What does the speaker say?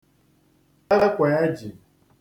ẹkwa eji